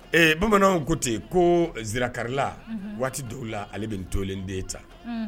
Ee bamananw ko ten yen koikarila waati dɔw la ale bɛ tolen den ta